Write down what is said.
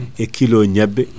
e kilo ñebbe